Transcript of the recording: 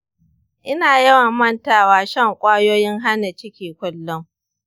ina yawan mantawa shan kwayoyin hana ciki kullum.